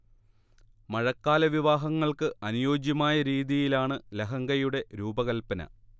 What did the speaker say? മഴക്കാല വിവാഹങ്ങൾക്ക് അനുയോജ്യമായ രീതിയിലാണ് ലഹങ്കയുടെ രൂപകല്പന